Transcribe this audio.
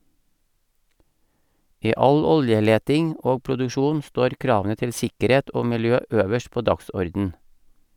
I all oljeleting og -produksjon står kravene til sikkerhet og miljø øverst på dagsordenen.